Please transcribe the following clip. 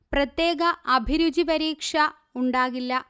പ്രത്യേക അഭിരുചി പരീക്ഷ ഉണ്ടാകില്ല